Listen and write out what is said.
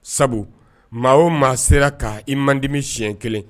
Sabu maa o maa sera ka i man dimi siɲɛ kelen